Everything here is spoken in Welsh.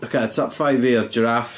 Ocê top five fi oedd jiraff.